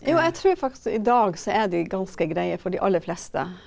jo jeg trur faktisk i dag så er de ganske greie for de aller fleste.